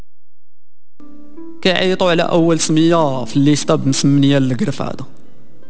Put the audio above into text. تعيط الاول سم الله في بس منين لك رساله